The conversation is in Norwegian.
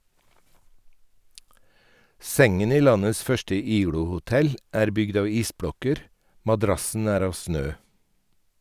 Sengen i landets første igloo-hotell er bygd av isblokker, madrassen er av snø.